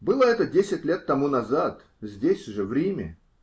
***-- Было это десять лет тому назад, здесь же, в Риме.